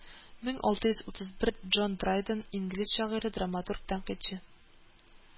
Мең алты йөз утыз бер джон драйден, инглиз шагыйре, драматург, тәнкыйтьче